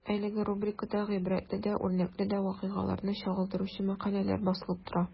Әлеге рубрикада гыйбрәтле дә, үрнәкле дә вакыйгаларны чагылдыручы мәкаләләр басылып тора.